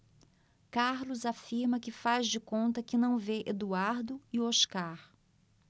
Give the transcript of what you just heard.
carlos afirma que faz de conta que não vê eduardo e oscar